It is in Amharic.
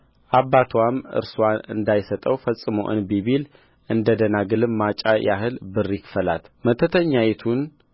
አባትዋም እርስዋን እንዳይሰጠው ፈጽሞ እንቢ ቢል እንደ ደናግል ማጫ ያህል ብር ይክፈላት መተተኛይቱን